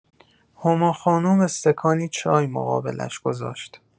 هما خانم استکانی چای مقابلش گذاشت.